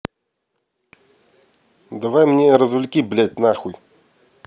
давай мне развлеки блядь нахуй